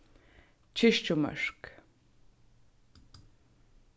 kirkjumørk